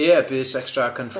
Ie bys extra, cynffon.